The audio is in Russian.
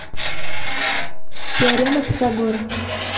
теорема пифагора